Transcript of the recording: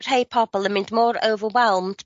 rhei pobol yn mynd mor overwhelmed